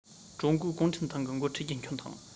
ཀྲུང གོའི གུང ཁྲན ཏང གི འགོ ཁྲིད རྒྱུན འཁྱོངས དང